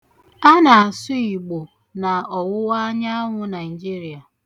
Ana-asụ Igbo na ọwụwaanyanwụ Naịjịrịa.